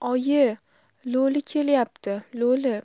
oyi lo'li kelyapti lo'li